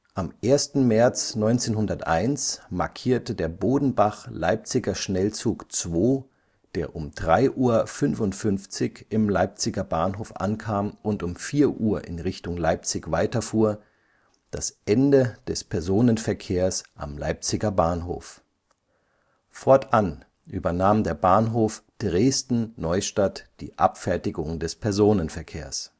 Am 1. März 1901 markierte der Bodenbach-Leipziger Schnellzug 2, der um 3:55 Uhr im Leipziger Bahnhof ankam und um 4:00 Uhr in Richtung Leipzig weiterfuhr, das Ende des Personenverkehrs am Leipziger Bahnhof. Fortan übernahm der Bahnhof Dresden-Neustadt die Abfertigung des Personenverkehrs